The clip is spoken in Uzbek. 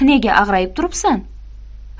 nega ag'rayib turibsan